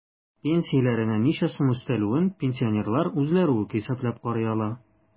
Пенсияләренә ничә сум өстәлүен пенсионерлар үзләре үк исәпләп карый ала.